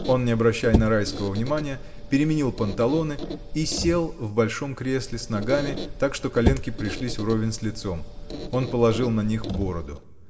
Он, не обращая на Райского внимания, переменил панталоны и сел в большом кресле, с ногами, так что коленки пришлись вровень с лицом. Он положил на них бороду.